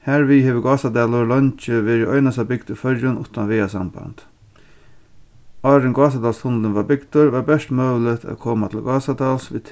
harvið hevur gásadalur leingi verið einasta bygd í føroyum uttan vegasamband áðrenn gásadalstunnilin varð bygdur var bert møguligt at koma til gásadals við